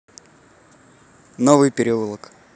новый переулок